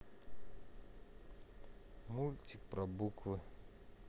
мультик про буквы